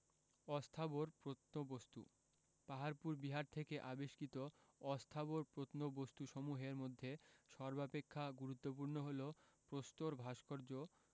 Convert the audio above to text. অস্থাবর প্রত্নবস্তু: পাহাড়পুর বিহার থেকে আবিষ্কৃত অস্থাবর প্রত্নবস্তুসমূহের মধ্যে সর্বাপেক্ষা গুরত্বপূর্ণ হল প্রস্তর ভাস্কর্য